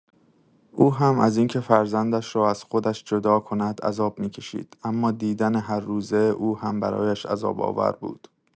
او هم از این‌که فرزندش را از خودش جدا کند، عذاب می‌کشید، اما دیدن هرروزه او هم برایش عذاب‌آور بود.